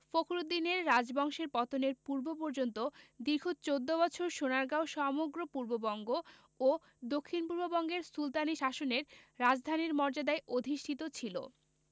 ফখরুদ্দীনের রাজবংশের পতনের পূর্ব পর্যন্ত দীর্ঘ চৌদ্দ বছর সোনারগাঁও সমগ্র পূর্ববঙ্গ ও দক্ষিণপূর্ব বঙ্গের সুলতানি শাসনের রাজধানীর মর্যাদায় অধিষ্ঠিত ছিল